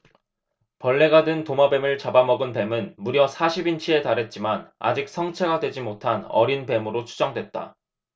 벌레가 든 도마뱀을 잡아 먹은 뱀은 무려 사십 인치에 달했지만 아직 성체가 되지 못한 어린 뱀으로 추정됐다